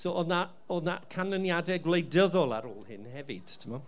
so oedd 'na oedd 'na canlyniadau gwleidyddol ar ôl hyn hefyd timod.